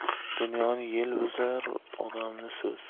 dunyoni yel buzar odamni so'z